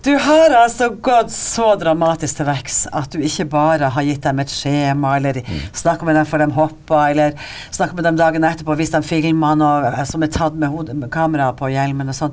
du har altså gått så dramatisk til verks at du ikke bare har gitt dem et skjema eller snakka med dem før dem hoppa eller snakka med dem dagen etterpå hvis dem filma noe som er tatt med hodet med kamera på hjelmen og sånn.